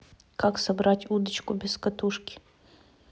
как собрать удочку без катушки